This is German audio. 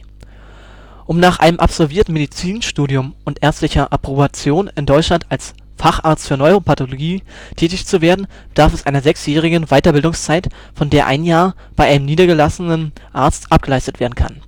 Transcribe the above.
Um nach einem absolvierten Medizinstudium und ärztlicher Approbation in Deutschland als Facharzt für Neuropathologie tätig zu werden, bedarf es einer sechsjährigen Weiterbildungszeit, von der ein Jahr bei einem niedergelassenen Arzt abgeleistet werden kann